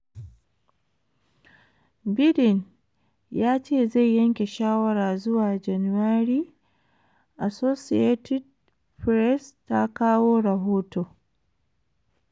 Biden ya ce zai yanke shawara zuwa January, Associated Press ta kawo rahoto.